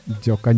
jokonjal